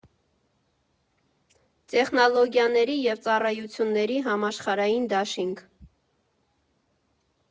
Տեխնոլոգիաների և Ծառայությունների Համաշխարհային Դաշինք։